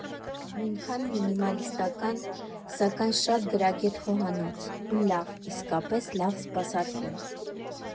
Նույնքան մինիմալիստական, սակայն շատ գրագետ խոհանոց ու լավ, իսկապես լավ սպասարկում։